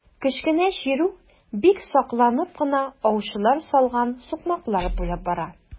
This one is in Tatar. Кечкенә чирү бик сакланып кына аучылар салган сукмаклар буйлап бара.